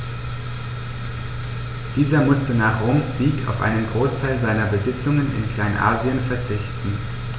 Dieser musste nach Roms Sieg auf einen Großteil seiner Besitzungen in Kleinasien verzichten.